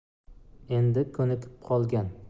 endi kunikib qolgan